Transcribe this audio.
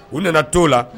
U nana to la